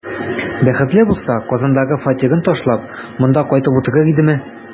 Бәхетле булса, Казандагы фатирын ташлап, монда кайтып утырыр идеме?